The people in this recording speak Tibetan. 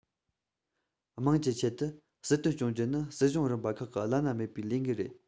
དམངས ཀྱི ཆེད དུ སྲིད དོན སྐྱོང རྒྱུ ནི སྲིད གཞུང རིམ པ ཁག གི བླ ན མེད པའི ལས འགན རེད